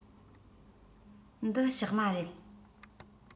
འདི ཕྱགས མ རེད